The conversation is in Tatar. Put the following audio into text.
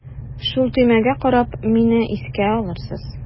Шул төймәгә карап мине искә алырсыз.